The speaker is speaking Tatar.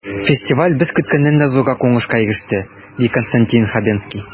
Фестиваль без көткәннән дә зуррак уңышка иреште, ди Константин Хабенский.